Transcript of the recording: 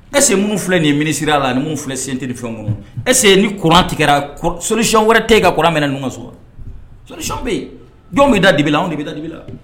Ɛse minnu filɛ nin minisiri a la ni filɛ sen tɛ de fɛn kɔnɔ ese ni kuran tigɛ soc wɛrɛ tɛ ka kuran minɛ ɲɔgɔn sɔrɔ soc bɛ yen jɔn bɛ da dibi la anw de bɛ da dibi la